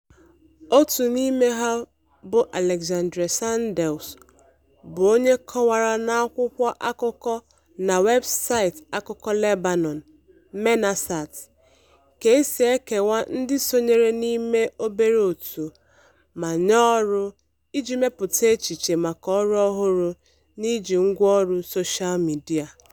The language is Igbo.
Otu n'ime ha bụ Alexandra Sandels bụ onye kọwara n'akwụkwọ akụkọ na webụsaịtị akụkọ Lebanon, Menassat, ka e si ekewa ndị sonyere n'ime obere òtù ma nye ọrụ iji mepụta echiche maka ọrụ ọhụrụ n'iji ngwáọrụ soshal midịa.